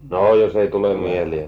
no jos ei tule mieleen